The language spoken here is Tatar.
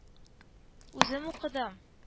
Үзем укыдым